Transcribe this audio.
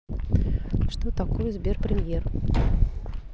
что такое сбер премьер